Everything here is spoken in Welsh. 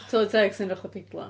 Tylwyth teg sy'n edrych fatha pidlan?